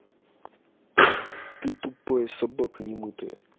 ты тупая собака не мытая